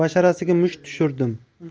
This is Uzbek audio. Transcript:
basharasiga musht tushirdim